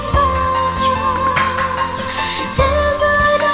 ta thế giới